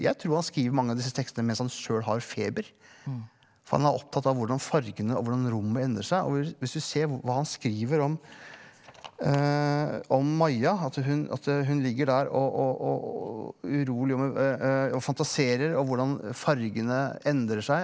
jeg tror han skriver mange av disse tekstene mens han sjøl har feber, for han er opptatt av hvordan fargene og hvordan rommet endrer seg og hvor hvis du ser hva han skriver om om Maja at hun at hun ligger der og og og urolig om og fantaserer og hvordan fargene endrer seg.